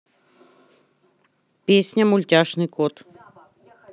песня мультяшный кот